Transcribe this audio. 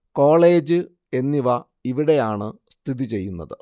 college എന്നിവ ഇവിടെയാണ് സ്ഥിതി ചെയ്യുന്നത്